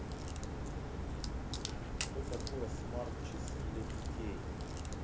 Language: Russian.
что такое смарт часы для детей